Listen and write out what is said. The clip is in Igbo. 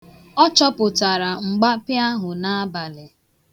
Ọ chọpụtara mgbapịa ahụ n'abalị.